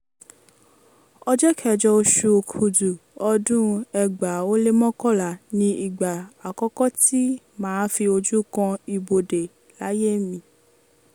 Ọjọ́ Kejì oṣù Òkudù ọdún 2011 ni ìgbà àkọ́kọ́ tí màá fi ojú kan ibodè láyé mi.